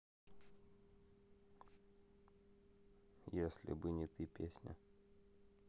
если бы не ты песня